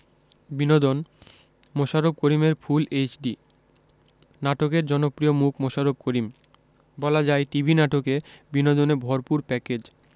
বিনোদন মোশাররফ করিমের ফুল এইচডি নাটকের জনপ্রিয় মুখ মোশাররফ করিম বলা যায় টিভি নাটকে বিনোদনে ভরপুর প্যাকেজ